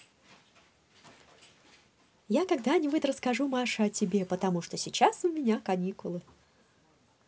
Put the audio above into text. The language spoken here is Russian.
я когда нибудь расскажу маша о тебе потому что сейчас у меня каникулы